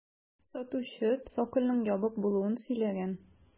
Сатучы цокольның ябык булуын сөйләгән.